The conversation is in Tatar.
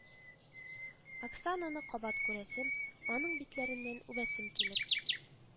Оксананы кабат күрәсем, аның битләреннән үбәсем килеп